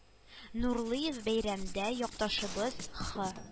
Нурлыев бәйрәмдә якташыбыз Хэ